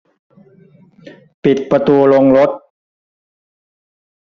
ปิดประตูโรงรถ